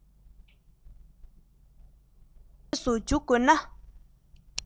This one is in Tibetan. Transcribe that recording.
ཤེས སུ འཇུག དགོས ན